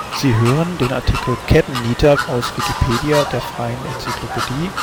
Sie hören den Artikel Kettennieter, aus Wikipedia, der freien Enzyklopädie